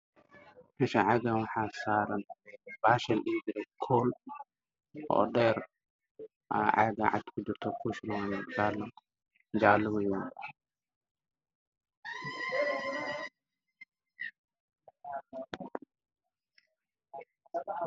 Halkaan waxaa ka muuqdo boonbale cadaan oo qoorta oga jirto katiin dahabi ah